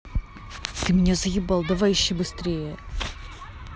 ты меня заебал давай ищи быстрее